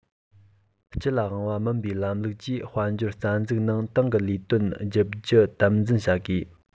སྤྱི ལ དབང བ མིན པའི ལམ ལུགས ཀྱི དཔལ འབྱོར རྩ འཛུགས ནང ཏང གི ལས དོན བསྒྲུབ རྒྱུ དམ འཛིན བྱ དགོས